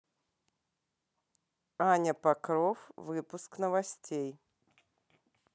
аня покров выпуск новостей